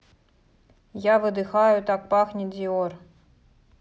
я выдыхаю так пахнет диор